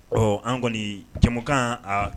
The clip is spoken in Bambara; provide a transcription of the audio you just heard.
Ɔ an kɔni jamukan a